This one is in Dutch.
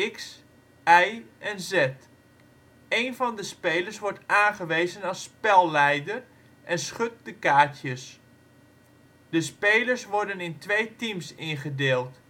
X, Y, Z). Eén van de spelers wordt aangewezen als spelleider en schudt de kaartjes. De spelers worden in twee teams ingedeeld